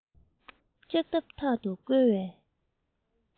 ལྕགས ཐབ ཐོག ཏུ བསྐོལ བའི